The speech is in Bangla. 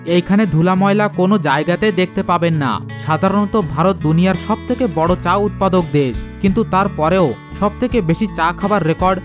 এখানে ধুলা-ময়লা কোন জায়গাতে দেখতে পাবেন না সাধারণত ভারত দুনিয়ার সব থেকে বড় চা উৎপাদক দেশ কিন্তু তারপরেও সব থেকে বেশি চা খাবার রেকর্ড